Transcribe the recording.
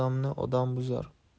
odamni odam buzar